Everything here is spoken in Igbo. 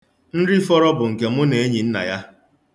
Nri fọrọ bụ nke mụ na Enyinnaya.